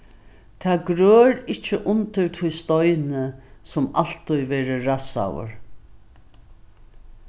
tað grør ikki undir tí steini sum altíð verður rassaður